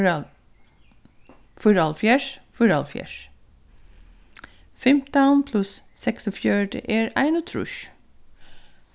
fýraoghálvfjerðs fýraoghálvfjerðs fimtan pluss seksogfjøruti er einogtrýss